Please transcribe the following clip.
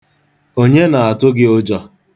Onye na-atụ gị ụjọ?